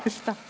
huff då.